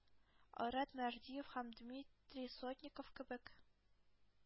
Айрат Мәрдиев һәм Дмитрий Сотников кебек